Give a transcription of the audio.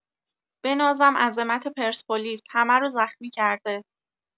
بنازم عظمت پرسپولیس همرو زخمی کرده